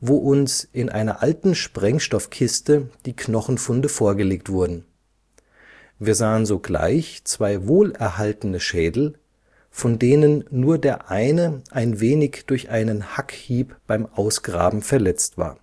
wo uns in einer alten Sprengstoffkiste die Knochenfunde vorgelegt wurden. Wir sahen sogleich zwei wohlerhaltene Schädel, von denen nur der eine ein wenig durch einen Hackhieb beim Ausgraben verletzt war